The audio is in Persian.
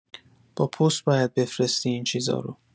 با پست باید بفرستی این چیزارو